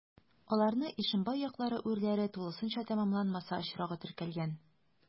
Аларны Ишембай яклары урләре тулысынча тәмамланмаса очрагы теркәлгән.